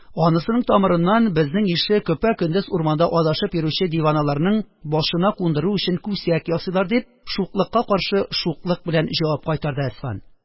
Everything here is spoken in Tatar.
– анысының тамырыннан безнең ише көпә-көндез урманда адашып йөрүче диваналарның башына кундыру өчен күсәк ясыйлар, – дип, шуклыкка каршы шуклык белән җавап кайтарды әсфан